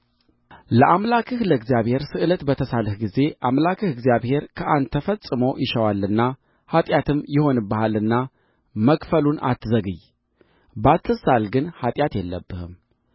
ለአምላክህ ለእግዚአብሔር ስእለት በተሳልህ ጊዜ አምላክህ እግዚአብሔር ከአንተ ፈጽሞ ይሻዋልና ኃጢአትም ይሆንብሃልና መክፈሉን አታዘገይ ባትሳል ግን ኃጢአት የለብህም